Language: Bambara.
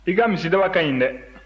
i ka misidaba ka ɲi dɛ